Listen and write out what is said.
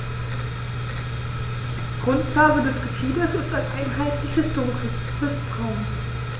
Grundfarbe des Gefieders ist ein einheitliches dunkles Braun.